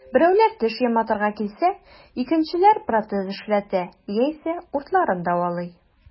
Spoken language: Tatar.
Берәүләр теш яматырга килсә, икенчеләр протез эшләтә яисә уртларын дәвалый.